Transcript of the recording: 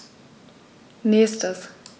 Nächstes.